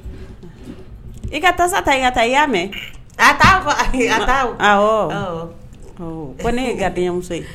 I ka tasa ta i ka taa i y'a mɛn ?a ta fɔ , awɔ, ko ne ye gardien muso ye.